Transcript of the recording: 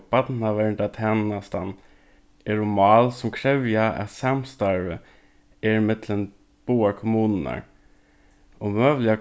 barnaverndartænastan eru mál sum krevja at samstarvið er millum báðar kommunurnar og møguliga